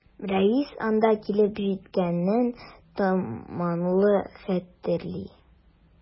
Рәис анда килеп җиткәнен томанлы хәтерли.